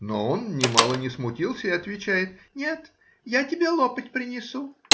Но он нимало не смутился и отвечает: — Нет, я тебе лопать принесу.